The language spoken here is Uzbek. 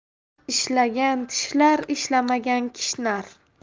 ishlagan tishlar ishlamagan kishnar